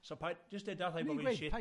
So pai... Jyst deda wrthai bo fi'n shit...